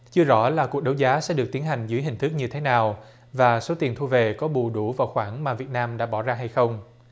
chưa rõ là cuộc đấu giá sẽ được tiến hành dưới hình thức như thế nào và số tiền thu về có bù đủ vào khoản mà việt nam đã bỏ ra hay không